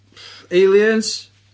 Aliens.